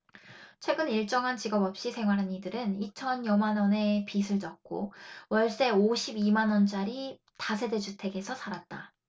최근 일정한 직업 없이 생활한 이들은 이 천여만원의 빚을 졌고 월세 오십 이 만원짜리 다세대 주택에서 살았다